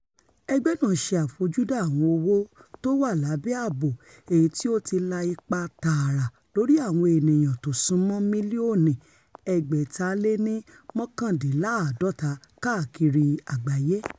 Ẹgbẹ́ náà ṣe àfojúdá àwọn owó tówà lábẹ́ ààbò èyití ó ti la ipa tààrà lórí àwọn ènìyàn tó súnmọ́ mílíọ̀nù ẹgbẹ̀ta-léní-mọ́kàndínláàádọ́ta káàkiri àgbáyé.